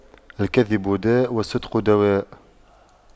الكذب داء والصدق دواء